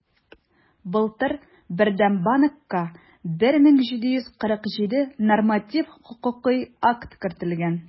Былтыр Бердәм банкка 1747 норматив хокукый акт кертелгән.